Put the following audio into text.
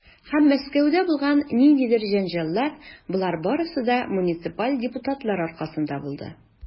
Һәм Мәскәүдә булган ниндидер җәнҗаллар, - болар барысы да муниципаль депутатлар аркасында булды.